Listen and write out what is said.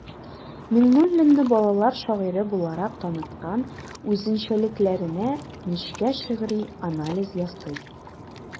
Миңнуллинны балалар шагыйре буларак таныткан үзенчәлекләренә нечкә шигъри анализ ясый.